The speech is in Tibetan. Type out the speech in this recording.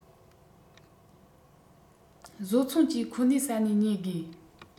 བཟོ ཚོང ཅུས ཁོ ནའི ས ནས ཉོ དགོས